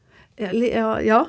ja ja.